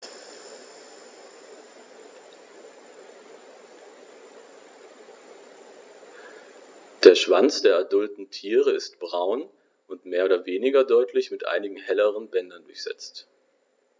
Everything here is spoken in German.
Der Schwanz der adulten Tiere ist braun und mehr oder weniger deutlich mit einigen helleren Bändern durchsetzt.